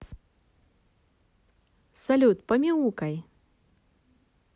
салют помяукай